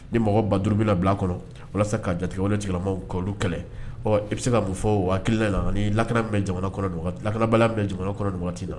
Ni mɔgɔ ba duuruuru bɛ bila a kɔnɔ walasa k'a jatigima ka kɛlɛ e bɛ se k ka fɔ waatila la lakana mɛn jamana lakanabala mɛn jamana kɔnɔ na